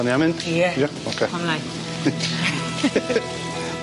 'Dan ni am mynd? Ie. Ie ocê. Pam lai.